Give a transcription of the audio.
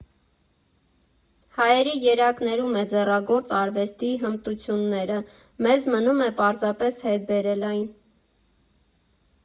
Հայերի երակներում է ձեռագործ արվեստի հմտությունները, մեզ մնում է պարզապես հետ բերել այն։